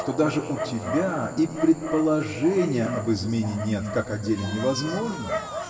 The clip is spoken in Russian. что даже у тебя и предположения об измене нет как о деле невозможном.